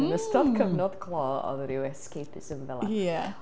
Yn ystod cyfnod clo oedd ryw escapism fel 'na.